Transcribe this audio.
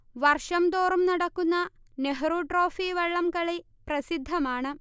വർഷം തോറും നടക്കുന്ന നെഹ്രു ട്രോഫി വള്ളംകളി പ്രസിദ്ധമാണ്